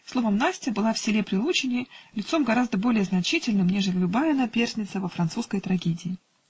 словом, Настя была в селе Прилучине лицом гораздо более значительным, нежели любая наперсница во французской трагедии.